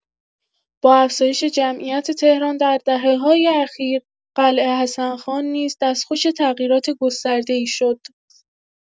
با افزایش جمعیت تهران در دهه‌های اخیر، قلعه حسن‌خان نیز دستخوش تغییرات گسترده‌ای شد.